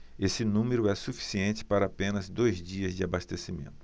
esse número é suficiente para apenas dois dias de abastecimento